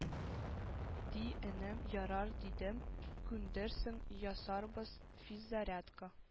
Ди энем ярар дидем күндерсең ясарбыз физзарядка